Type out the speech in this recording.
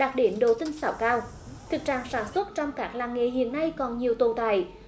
đạt đến độ tinh xảo cao thực trạng sản xuất trong các làng nghề hiện nay còn nhiều tồn tại